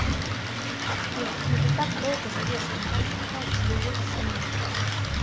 сбер ну ты так долго живешь с наташей как тебе жить с ней